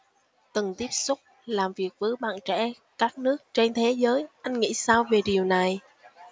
từng tiếp xúc làm việc với bạn trẻ các nước trên thế giới anh nghĩ sao về điều này